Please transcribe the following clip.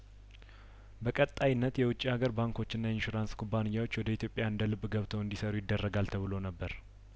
በቀጣይነት የውጭ ሀገር ባንኮችና ኢንሹራንስ ኩባንያዎች ወደ ኢትዮጵያእንደ ልብ ገብተው እንዲሰሩ ይደረጋል ተብሎ ነበር